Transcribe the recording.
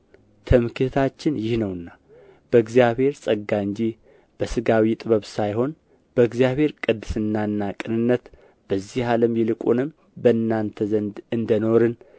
ትምክህታችን ይህ ነውና በእግዚአብሔር ጸጋ እንጂ በሥጋዊ ጥበብ ሳይሆን በእግዚአብሔር ቅድስናና ቅንነት በዚህ ዓለም ይልቁንም በእናንተ ዘንድ እንደኖርን